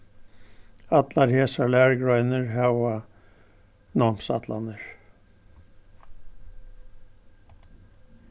allar hesar lærugreinir hava námsætlanir